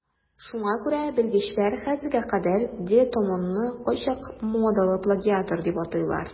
Шуңа күрә белгечләр хәзергә кадәр де Томонны кайчак модалы плагиатор дип атыйлар.